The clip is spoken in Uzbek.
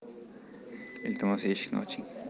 iltimos eshikni oching